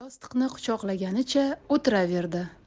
yostiqni quchoqlaganicha o'tiraverdi